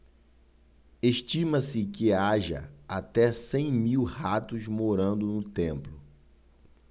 estima-se que haja até cem mil ratos morando no templo